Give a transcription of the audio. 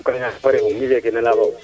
i kay naak mi feke na leya fo wo